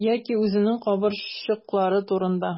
Яки үзенең кабырчрыклары турында.